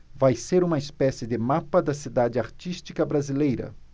vai ser uma espécie de mapa da cidade artística brasileira